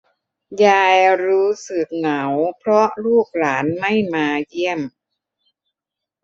ยายรู้สึกเหงาเพราะลูกหลานไม่มาเยี่ยม